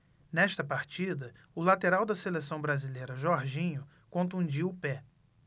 nesta partida o lateral da seleção brasileira jorginho contundiu o pé